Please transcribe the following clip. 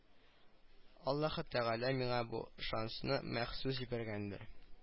Аллаһы тәгалә миңа бу шансны махсус җибәргәндер